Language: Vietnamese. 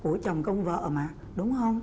của chồng công vợ mà đúng hông